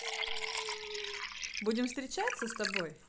будем встречаться с тобой